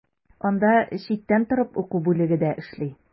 Анда читтән торып уку бүлеге дә эшли.